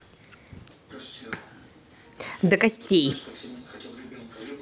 до костей